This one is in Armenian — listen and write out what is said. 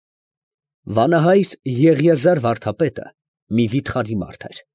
Վանահայր Եղիազար վարդապետը մի վիթխարի մարդ էր։